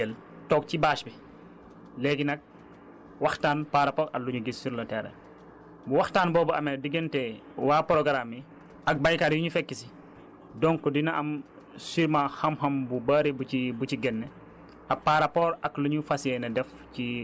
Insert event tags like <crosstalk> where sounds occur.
suñu paree <breath> dañuy ñibbi si fii si Thiel toog ci bâche bi léegi nag waxtaan par rapport ak lu ñu gis sur le terrain bu waxtaan boobu amee diggante waa programme bi ak baykat yi ñu fekk si donc dina am surement xam-xam bu bëri bu ci bu ci génne